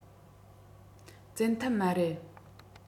བཙན ཐབས མ རེད